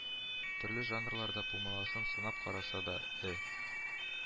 Төрле жанрларда пумаласын сынап караса да, Э